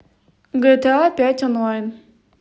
гта пять онлайн